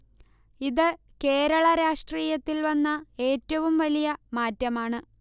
ഇത് കേരള രാഷ്ട്രീയത്തിൽ വന്ന ഏറ്റവും വലിയ മാറ്റമാണ്